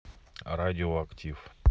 радио актив